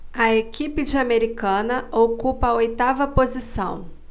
a equipe de americana ocupa a oitava posição